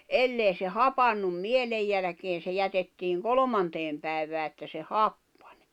jos ei se hapantunut mielen jälkeen se jätettiin kolmanteen päivään että se happani